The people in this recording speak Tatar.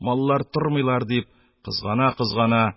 Маллар тормыйлар,- дип, кызгана-кызгана,